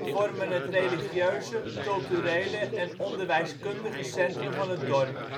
vormen het religieuze, culturele en onderwijskundige centrum van het dorp